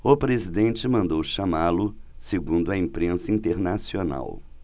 o presidente mandou chamá-lo segundo a imprensa internacional